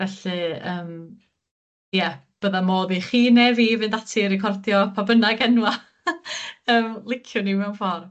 Felly yym, ia, bydda modd i chi ne' fi fynd ati i recordio pa bynnag enwa' yym liciwn ni mewn ffordd.